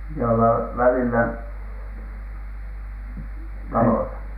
ja olla välillä talossa